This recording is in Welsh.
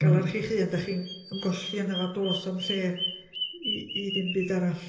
galar chi'ch hun da chi'n ymgolli ynddo fo, does na'm lle i i ddim byd arall.